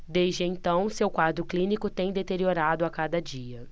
desde então seu quadro clínico tem deteriorado a cada dia